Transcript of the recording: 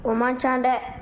o man ca dɛ